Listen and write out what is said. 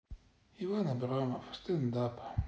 иван абрамов стендап